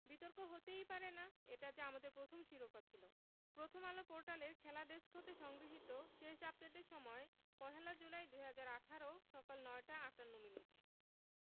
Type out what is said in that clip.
বিতর্ক হতেই পারে না এটা যে আমাদের প্রথম শিরোপা ছিল প্রথমআলো পোর্টালের খেলা ডেস্ক হতে সংগৃহীত শেষ আপডেটের সময় ১লা জুলাই ২০১৮ সকাল ৯টা ৫৮মিনিট